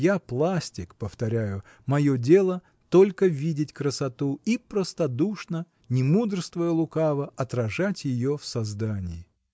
Я пластик, повторяю: мое дело только видеть красоту — и простодушно, “не мудрствуя лукаво”, отражать ее в создании.